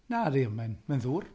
Nadi ond mae'n, mae'n ddŵr.